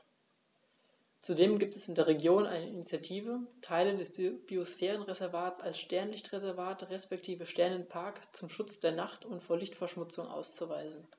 Zudem gibt es in der Region eine Initiative, Teile des Biosphärenreservats als Sternenlicht-Reservat respektive Sternenpark zum Schutz der Nacht und vor Lichtverschmutzung auszuweisen.